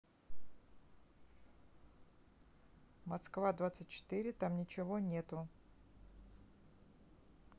москва двадцать четыре там ничего нету